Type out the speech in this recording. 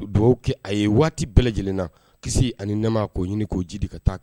Dugawu kɛ a ye waati bɛɛ lajɛlen na, kisi ani nɛma k'o ɲini k'o jiidi ka taa k